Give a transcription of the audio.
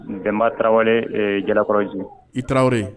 Denba tarawele jalakɔrɔji i tarawele ye